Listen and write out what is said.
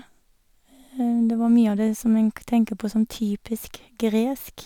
Det var mye av det som en k tenker på som typisk gresk.